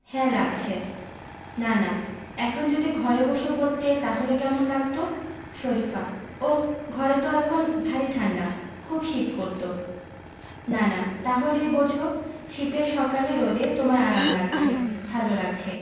হ্যাঁ লাগছে নানা এখন যদি ঘরে বসে পড়তে তাহলে কেমন লাগত শরিফা ওহ ঘরে তো এখন ভারি ঠাণ্ডা খুব শীত করত নানা তা হলেই বোঝ শীতের সকালে রোদে তোমার আরাম লাগছে ভালো লাগছে